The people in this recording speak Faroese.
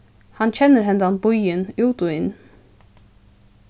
hann kennir hendan býin út og inn